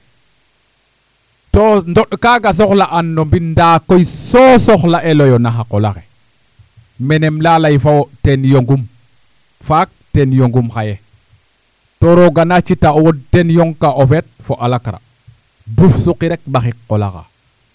too ɗond kaaga soxla'aan no mbind ndaa koy so soxla'elooyo no xa qol axe mene um layaa lay fa wo' ten yongum faak ten yongum xaye to roog a naa citaa o wod ten um yongkaa o feet fa a lakra buf suqi rek ɓaxik qol axa